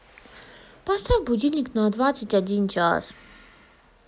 поставь будильник на двадцать один час